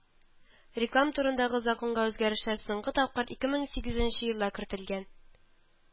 Реклам турындагы законга үзгәрешләр соңгы тапкыр ике мең сигезенче елда кертелгән